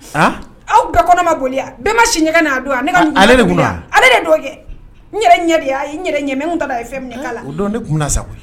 Aa aw g kɔnɔma go bɛɛba si ɲɛgɛn ni' don ale de ale don kɛ n ɲɛ de ɲɛ min ta fɛn minɛ la o dɔn sago